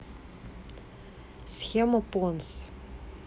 схема понс